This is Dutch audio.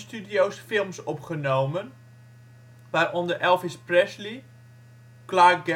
films opgenomen, waaronder Elvis Presley, Clark